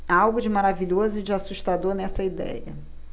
há algo de maravilhoso e de assustador nessa idéia